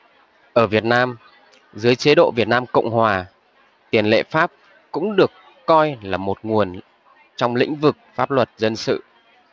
ở việt nam dưới chế độ việt nam cộng hòa tiền lệ pháp cũng được coi là một nguồn trong lĩnh vực pháp luật dân sự